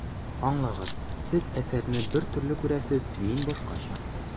Аңлагыз, Сез әсәрне бер төрле күрәсез, мин башкача.